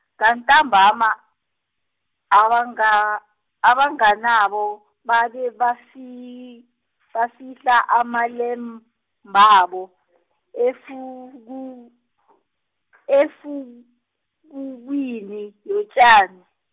ngantambama, abanga- abanganabo, babe bafi- bafihle amalembabo efuku-, efuk- -kukwini yotjani.